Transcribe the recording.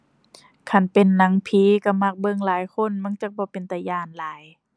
คันเป็นหนังผีก็มักเบิ่งหลายคน มันจั่งบ่เป็นตาย้านหลาย